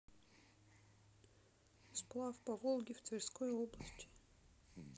сплав по волге в тверской области